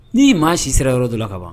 Ni'i maa si sera yɔrɔ don la kaban